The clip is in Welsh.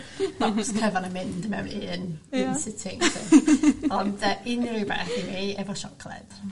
Bocs cyfan yn mynd mewn un... Ia? ...un sitting so ond yy unrywbeth i ni efo siocled.